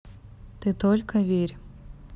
ты только верь